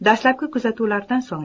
dastlabki kuzatuvlardan so'ng